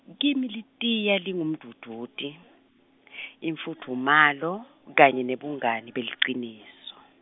m- kimi litiya lingumdvudvuti , imfudvumalo, kanye nebungani beliciniso.